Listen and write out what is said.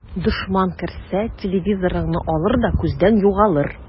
Дошман керсә, телевизорыңны алыр да күздән югалыр.